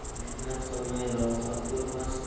mehnat qilmay rohat ko'rmas